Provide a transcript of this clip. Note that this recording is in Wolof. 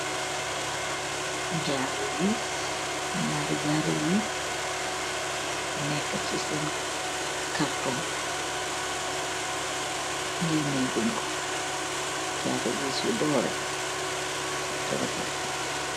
Jaarou wiss, njarri jaarou wiss neka chi sen karton, geneh gungh kor, jaarou wiss yu dooreh teh rafet.